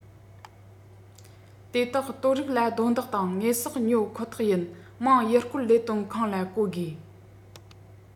དེ དག དོར རིགས ལ རྡུང རྡེག དང དངོས ཟོག ཉོ ཁོ ཐག ཡིན མང ཡུལ སྐོར ལས དོན ཁང ལ གོ དགོས